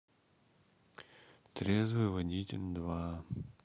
трезвый водитель два